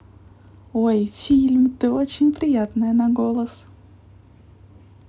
ой фильм ты очень приятная на голос